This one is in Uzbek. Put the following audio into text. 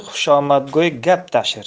xushomadgo'y gap tashir